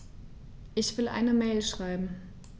Ich will eine Mail schreiben.